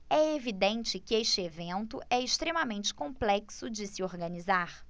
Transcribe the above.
é evidente que este evento é extremamente complexo de se organizar